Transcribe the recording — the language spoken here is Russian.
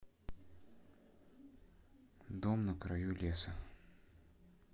дом на краю леса